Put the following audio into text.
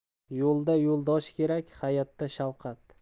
yo'lda yo'ldosh kerak hayotda shafqat